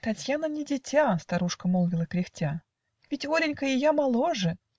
Татьяна не дитя, - Старушка молвила кряхтя. - Ведь Оленька ее моложе.